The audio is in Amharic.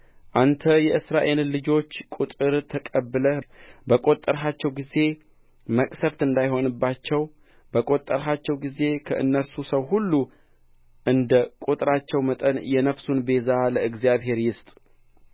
አንተ የእስራኤልን ልጆች ቍጥር ተቀብለህ በቈጠርሃቸው ጊዜ መቅሰፍት እንዳይሆንባቸው በቈጠርሃቸው ጊዜ ከእነርሱ ሰው ሁሉ እንደ ቍጥራቸው መጠን የነፍሱን ቤዛ ለእግዚአብሔር ይስጥ